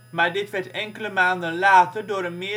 maar dit werd enkele maanden later door een